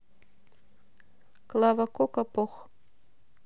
клава кока пох